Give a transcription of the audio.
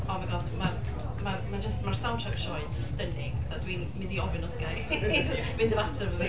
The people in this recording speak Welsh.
O my god ma' ma' ma' jyst, mae'r soundtrack sioe yn stunning. Fatha dwi'n mynd i ofyn os ga i jyst fynd a fo adra efo fi.